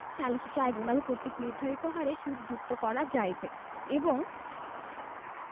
সালিসী ট্রাইব্যুনাল কর্তৃক নির্ধারিত হারে সুদ যুক্ত করা যাইবে এবং